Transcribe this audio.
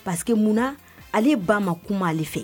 Paseke mun ale ba ma kuma ale fɛ